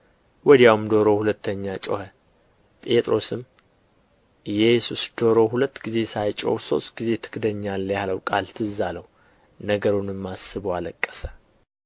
ወዲያውም ዶሮ ሁለተኛ ጮኸ ጴጥሮስንም ኢየሱስ ዶሮ ሁለት ጊዜ ሳይጮኽ ሦስት ጊዜ ትክደኛለህ ያለው ቃል ትዝ አለው ነገሩንም አስቦ አለቀሰ